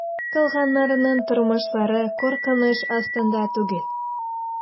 Калганнарның тормышлары куркыныч астында түгел.